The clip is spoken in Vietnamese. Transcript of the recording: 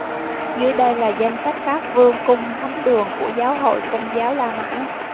dưới đây là danh sách các vương cung thánh đường của giáo hội công giáo la mã